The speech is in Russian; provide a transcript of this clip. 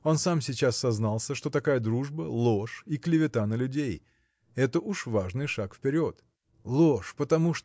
Он сам сейчас сознался, что такая дружба – ложь и клевета на людей. Это уж важный шаг вперед. – Ложь потому